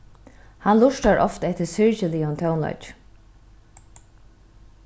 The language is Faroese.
hann lurtar ofta eftir syrgiligum tónleiki